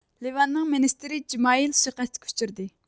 لىۋاننىڭ مىنىستىرى جېمايېل سۇيىقەستكە ئۇچرىدى